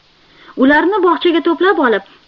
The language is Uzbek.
ularni bog'chaga to'plab olib